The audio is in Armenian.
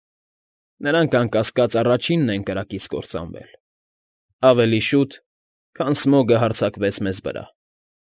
Նրանք անկասկած, առաջինն են կրակից կործանվել, ավելի շուտ, քան Սմոգը հարձակվեց մեզ վրա։